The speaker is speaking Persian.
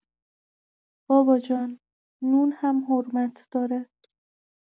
بابا جان، نون هم حرمت داره…